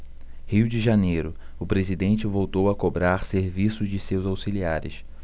rio de janeiro o presidente voltou a cobrar serviço de seus auxiliares